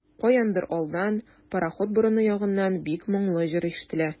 Каяндыр алдан, пароход борыны ягыннан, бик моңлы җыр ишетелә.